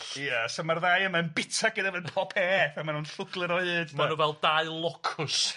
Ia so ma'r ddau yma'n bita ac yn yfed po' peth a ma' nw'n llwglyd o hyd de. Ma' nw fel dau locws.